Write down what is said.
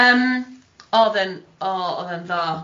Yym oedd e'n o, oedd e'n dda.